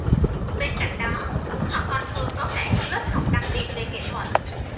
bên cạnh đó họ còn thường có cả những lớp học đặc biệt về nghệ thuật